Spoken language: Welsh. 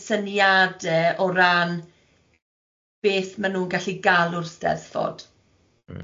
syniade o ran beth ma nhw'n gallu galw'r Steddfod m-hm.